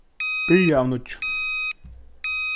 byrja av nýggjum